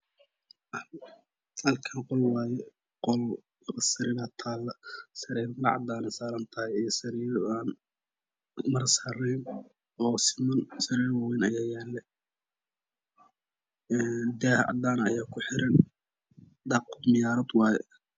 Halkan qol waaye qol labo sariiro taalo sariir dhar cadaan saarantahay iyo sariir aan maro saarneen oo siman sariir wa weeyn ayaa yaalo een daah cadaan ayaa ku xiran daaqada miyaarad waaye